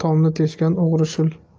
tomni teshgan o'g'ri shul